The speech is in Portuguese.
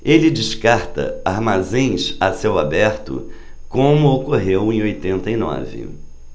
ele descarta armazéns a céu aberto como ocorreu em oitenta e nove